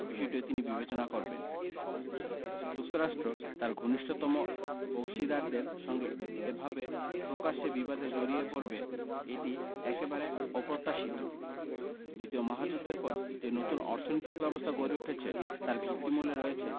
বিষয়টিও তিনি বিবেচনা করবেন যুক্তরাষ্ট্র তার ঘনিষ্ঠতম অংশীদারদের সঙ্গে এভাবে প্রকাশ্যে বিবাদে জড়িয়ে পড়বে এটি একেবারে অপ্রত্যাশিত দ্বিতীয় মহাযুদ্ধের পর যে নতুন অর্থনৈতিক ব্যবস্থা গড়ে উঠেছে তার ভিত্তিমূলে রয়েছে